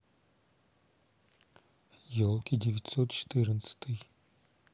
елки девятьсот четырнадцатый